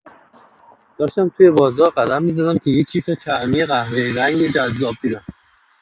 داشتم توی بازار قدم می‌زدم که یک کیف چرمی قهوه‌ای‌رنگ جذاب دیدم.